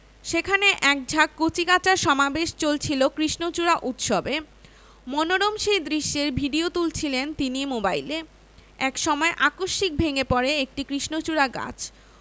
সেখানে এক ঝাঁক কচিকাঁচার সমাবেশ চলছিল কৃষ্ণচূড়া উৎসবে মনোরম সেই দৃশ্যের ভিডিও তুলছিলেন তিনি মোবাইলে এক সময় আকস্মিক ভেঙ্গে পড়ে একটি কৃষ্ণচূড়া গাছ